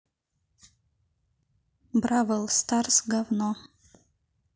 бравл старс гавно